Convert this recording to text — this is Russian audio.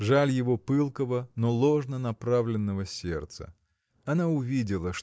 жаль его пылкого, но ложно направленного сердца. Она увидела